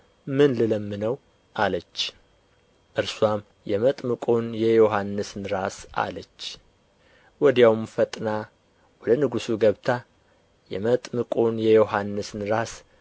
ምን ልለምነው አለች እርስዋም የመጥምቁን የዮሐንስን ራስ አለች ወዲያውም ፈጥና ወደ ንጉሡ ገብታ የመጥምቁን የዮሐንስን ራስ